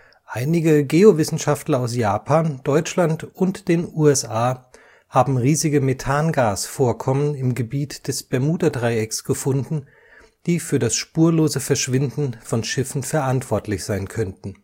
Einige Geowissenschaftler aus Japan, Deutschland und den USA haben riesige Methangas-Vorkommen im Gebiet des Bermudadreiecks gefunden, die für das spurlose Verschwinden von Schiffen verantwortlich sein könnten